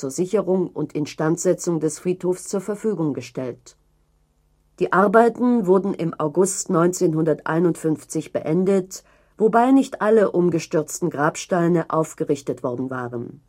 Sicherung und Instandsetzung des Friedhofs zur Verfügung gestellt. Die Arbeiten wurden im August 1951 beendet, wobei nicht alle umgestürzten Grabsteine aufgerichtet worden waren